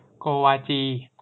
โกวาจี